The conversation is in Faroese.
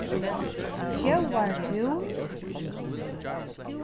sjóvartún